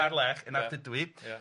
Harlech yn Ardudwy. Ia ia.